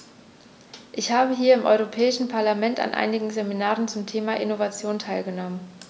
Ich habe hier im Europäischen Parlament an einigen Seminaren zum Thema "Innovation" teilgenommen.